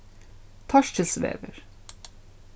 torkilsvegur